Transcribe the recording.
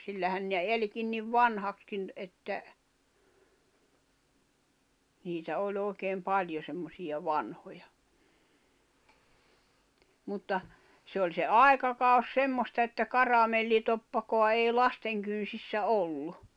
sillähän ne elikin niin vanhaksikin että niitä oli oikein paljon semmoisia vanhoja mutta se oli se aikakausi semmoista että karamellitoppaa ei lasten kynsissä ollut